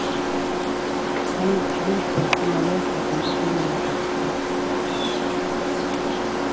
hann vildi kunna lesa tann upprunaliga tekstin